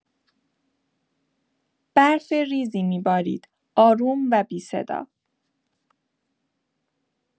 برف ریزی می‌بارید، آروم و بی‌صدا.